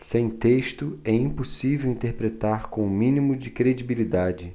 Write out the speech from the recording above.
sem texto é impossível interpretar com o mínimo de credibilidade